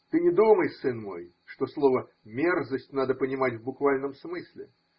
Ты не думай, сын мой, что слово мерзость надо понимать в буквальном смысле.